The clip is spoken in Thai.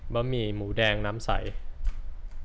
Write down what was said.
บะหมี่หมูแดงน้ำใส